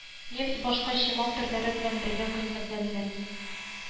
Нефть башка чимал төрләре белән кыйммәтләнгән